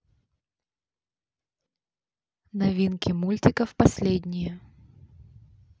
новинки мультиков последние